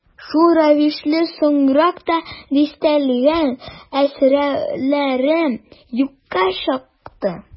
Шул рәвешле соңрак та дистәләгән әсәрләрем юкка чыкты.